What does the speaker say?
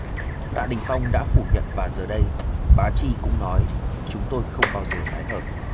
tạ đình phong đã phủ nhận và giờ đây bá chi cũng nói chúng tôi không bao giờ tái hợp